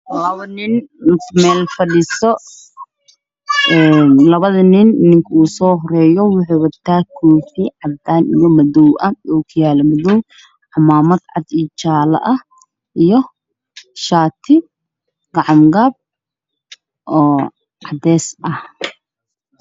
Waa niman oday oo meel fadhiya midna uu watakoofi cimaamad saacad shaati nin kale ag fadhiyo oday ah